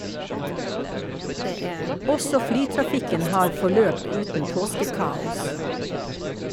Også flytrafikken har forløpt uten påskekaos.